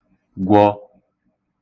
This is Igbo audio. gwọ̄